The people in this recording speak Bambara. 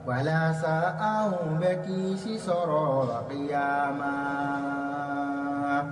Walasa an bɛ kisi sɔrɔ kiyaama.